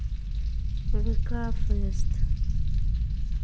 вк фест